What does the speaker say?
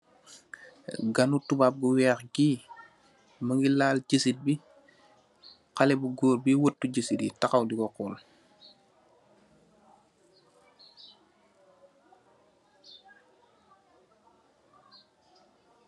Ganu tuubab bu weex bi, mungi laa jasit ji. Xalebu Goor biy watu jësit ju taxaw di ko xool.